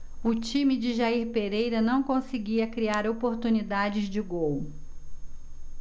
o time de jair pereira não conseguia criar oportunidades de gol